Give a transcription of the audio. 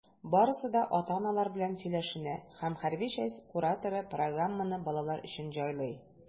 Барысы да ата-аналар белән сөйләшенә, һәм хәрби часть кураторы программаны балалар өчен җайлый.